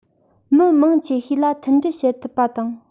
མི མང ཆེ ཤོས ལ མཐུན སྒྲིལ བྱེད ཐུབ པ དང